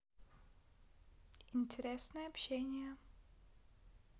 интересное общение